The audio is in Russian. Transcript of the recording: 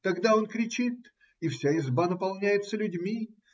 Тогда он кричит, и вся изба наполняется людьми